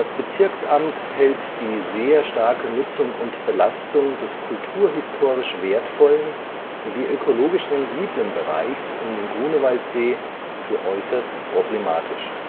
Bezirksamt hält die sehr starke Nutzung und Belastung des kulturhistorisch wertvollen wie ökologisch sensiblen Bereichs um den Grunewaldsee für äußerst problematisch